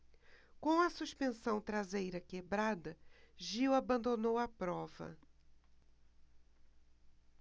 com a suspensão traseira quebrada gil abandonou a prova